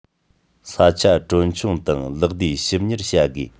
ས ཆ གྲོན ཆུང དང ལེགས བསྡུས ཞིབ གཉེར བྱ དགོས